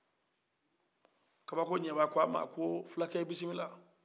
kabakoɲɛba ko a ma ko filakɛ i bisimila